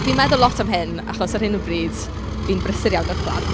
Fi'n meddwl lot am hyn achos ar hyn o bryd fi'n brysur iawn 'da'r plant.